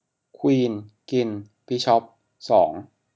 ควีนกินบิชอปสอง